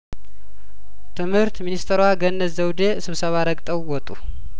ትምህርት ሚኒስትሯ ገነት ዘውዴ ስብሰባ ረግጠው ወጡ